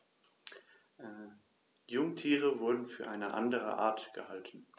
Jungtiere wurden für eine andere Art gehalten.